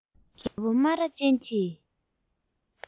རྒད པོ རྨ ར ཅན གྱི